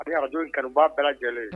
Rardio in kanu baga bɛɛ lajɛlen ye.